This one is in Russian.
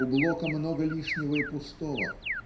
У Блока мною лишнего и пустого.